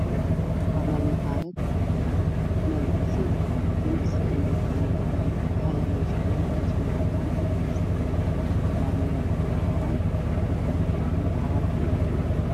Waa meel makhaayad waxayaala mmiis waameel cagaaran